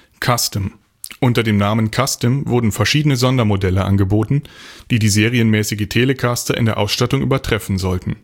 Custom – Unter dem Namen „ Custom “wurden verschiedene Sondermodelle angeboten, die die serienmäßige Telecaster in der Ausstattung übertreffen sollten